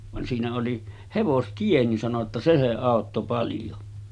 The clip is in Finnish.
vaan siinä oli hevostie niin sanoi jotta se se auttoi paljon